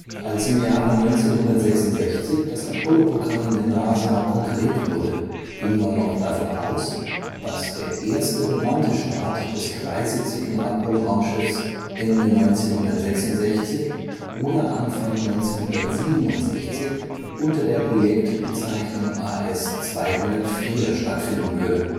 Als im Jahre 1966 das Apollo-Programm der NASA konkret wurde, ging man noch davon aus, dass der erste bemannte Start des dreisitzigen Apollo-Raumschiffs Ende 1966 oder Anfang 1967 unter der Projektbezeichnung AS-204 stattfinden würde